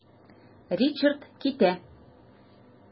Ричард китә.